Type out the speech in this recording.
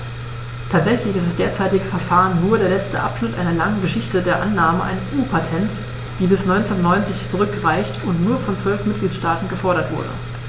Tatsächlich ist das derzeitige Verfahren nur der letzte Abschnitt einer langen Geschichte der Annahme eines EU-Patents, die bis 1990 zurückreicht und nur von zwölf Mitgliedstaaten gefordert wurde.